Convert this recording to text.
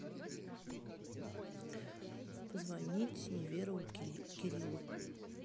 позвонить неверову кириллу